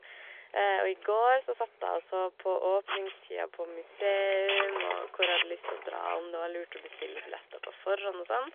Og i går så satt jeg og så på åpningstider på museum, og hvor jeg hadde lyst å dra, og om det var lurt å bestille billetter på forhånd og sånn.